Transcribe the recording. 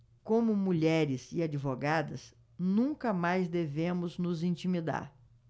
como mulheres e advogadas nunca mais devemos nos intimidar